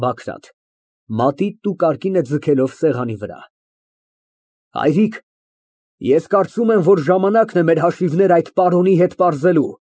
ԲԱԳՐԱՏ ֊ (Մատիտն ու կարկինը ձգելով սեղանի վրա) Հայրիկ, ես կարծում եմ, որ ժամանակն է մեր հաշիվներն այդ պարոնի հետ պարզելու։